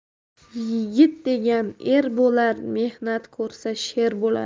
yigit degan er bo'lar mehnat ko'rsa sher bo'lar